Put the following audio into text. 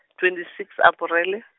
twenty six Aparele.